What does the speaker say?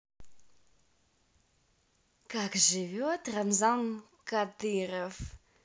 как живет рамзан кадыров